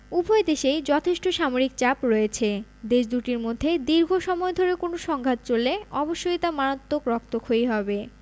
উভয় দেশেই যথেষ্ট সামরিক চাপ রয়েছে দেশ দুটির মধ্যে দীর্ঘ সময় ধরে কোনো সংঘাত চললে অবশ্যই তা মারাত্মক রক্তক্ষয়ী হবে